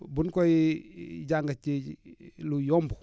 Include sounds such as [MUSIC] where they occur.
buy koy [HESITATION] jànga ci lu yomb